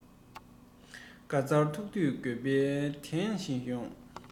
འགག རྩར ཐུག དུས དགོས པའི དུས ཤིག ཡོང